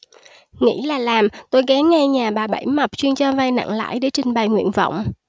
nghĩ là làm tôi ghé ngay nhà bà bảy mập chuyên cho vay nặng lãi để trình bày nguyện vọng